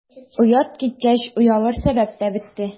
Оят киткәч, оялыр сәбәп тә бетте.